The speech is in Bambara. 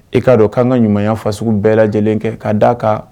I k'a dɔn k'an ka ɲumanya fasugu sugu bɛɛ lajɛlen kɛ, k'a d'a kan